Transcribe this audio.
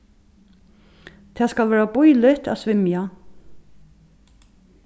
tað skal vera bíligt at svimja